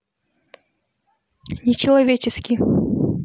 нечеловеческий